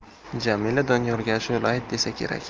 jamila doniyorga ashula ayt desa kerak